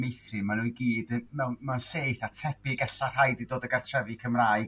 Meithrin ma' n'w i gyd mew- mewn lle eitha' tebyg ella rhai di dod o gartrefi Cymraeg